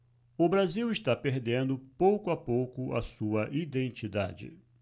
o brasil está perdendo pouco a pouco a sua identidade